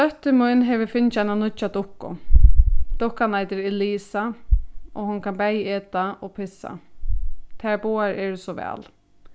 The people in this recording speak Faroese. dóttir mín hevur fingið eina nýggja dukku dukkan eitur elisa og hon kann bæði eta og pissa tær báðar eru so væl